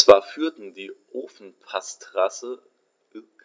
Zwar führt die Ofenpassstraße